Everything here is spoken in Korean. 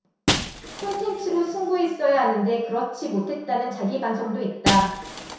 콘텐츠로 승부했어야 하는데 그렇지 못했다는 자기 반성도 있다